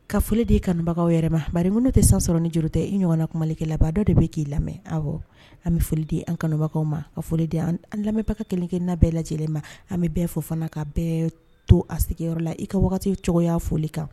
Ka foliden kanbaga yɛrɛ ma mariri minnu tɛ san sɔrɔ ni juru tɛ i ɲɔgɔnna kumalikɛ labanba dɔ de bɛ k'i lamɛn aw an bɛ foli di an kanubagaw ma ka foli an lamɛnbaga kelenkelen' bɛɛ lajɛ lajɛlen ma an bɛ bɛn fɔ fana ka bɛɛ to a sigiyɔrɔ la i ka waati wagati cogoyaya foli kan